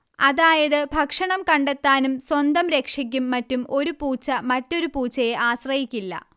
അതായത് ഭക്ഷണം കണ്ടെത്താനും സ്വന്തം രക്ഷയ്ക്കും മറ്റും ഒരു പൂച്ച മറ്റൊരു പൂച്ചയെ ആശ്രയിക്കില്ല